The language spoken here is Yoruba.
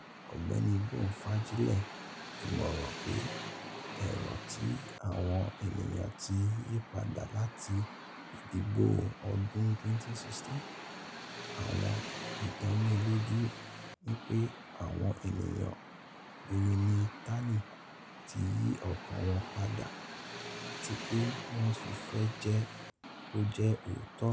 Ọ̀gbẹ́ni Bone fagile ìmọ̀ràn pé èro tí àwọn ènìyàn ti yípadà láti ìdìbò ọdún 2016: 'Àwọn ìdánilójú pé àwọn ènìyàn Bírítànì ti yí ọkàn wọn padà àti pé wọ́n sí fẹ́ jẹ́ kó jẹ́ òótọ́